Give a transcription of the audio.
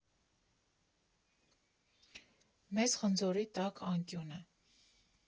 «Մեծ խնձորի» տաք անկյունը։